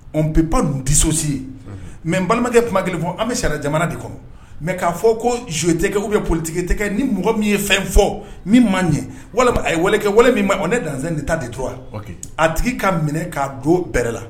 N peba disosi ye mɛ n balimakɛ kuma kelen fɔ an bɛ siran jamana de kɔ mɛ k'a fɔ ko joo tɛkɛ u bɛ politigi tɛgɛ ni mɔgɔ min ye fɛn fɔ min man ɲɛ walima a yekɛ min ne dan de ta detura a tigi ka minɛ k'a don bɛɛrɛ la